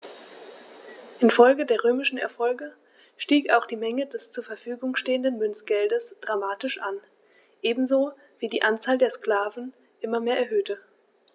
Infolge der römischen Erfolge stieg auch die Menge des zur Verfügung stehenden Münzgeldes dramatisch an, ebenso wie sich die Anzahl der Sklaven immer mehr erhöhte.